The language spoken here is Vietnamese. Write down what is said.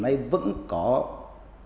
nay vẫn có